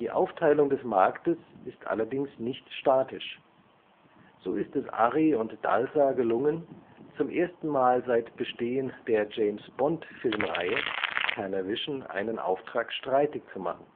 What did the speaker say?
Aufteilung des Marktes ist allerdings nicht statisch. So ist es Arri und Dalsa gelungen, zum ersten Mal seit Bestehen der James-Bond-Filmreihe Panavision einen Auftrag streitig zu machen